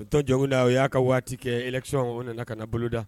deputé Jonkuda o y'a ka waati kɛ election nana ka boloda.